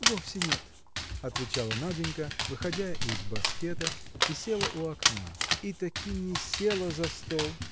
– Вовсе нет, – отвечала Наденька, выходя из боскета, и села у окна. – И таки не села за стол!